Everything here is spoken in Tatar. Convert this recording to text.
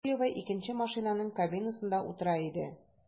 Бушуева икенче машинаның кабинасында утыра иде.